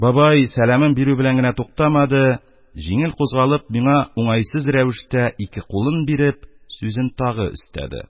Бабай сәламен бирү белән генә туктамады, җиңел кузгалып, миңа уңайсыз рәвештә ике кулын биреп, сүзен тагы өстәде: